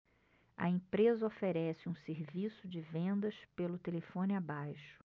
a empresa oferece um serviço de vendas pelo telefone abaixo